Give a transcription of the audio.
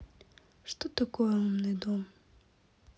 что такое умный дом